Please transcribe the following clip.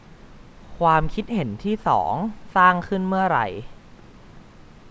ความคิดเห็นที่สองสร้างขึ้นเมื่อไร